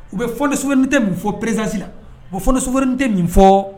U bɛ fɔ sin tɛ min fɔ perezsi la o fɔsoin tɛ min fɔ